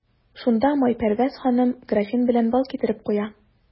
Шунда Майпәрвәз ханым графин белән бал китереп куя.